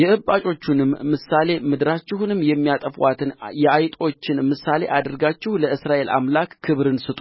የእባጫችሁንም ምሳሌ ምድራችሁንም የሚያጠፋአትን የአይጦችን ምሳሌ አድርጋችሁ ለእስራኤል አምላክ ክብርን ስጡ